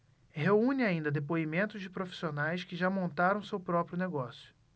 reúne ainda depoimentos de profissionais que já montaram seu próprio negócio